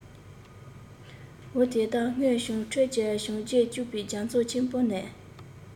འོ དེ དག སྔོན བྱུང ཁྱོད ཀྱི བྱས རྗེས སྐྱུག པའི རྒྱ མཚོ ཆེན པོ ནས